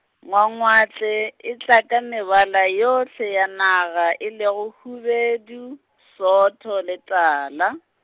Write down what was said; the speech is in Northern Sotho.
ngwangwatle e tla ka mebala yohle ya naga, e lego hubedu, sootho le tala.